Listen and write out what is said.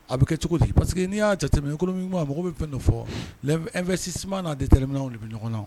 A bɛ kɛ cogo pa que n'i'a jate koloɲuman mɔgɔ bɛ fɛn fɔfɛsisi n'a de tɛ minw olu bɛ ɲɔgɔn na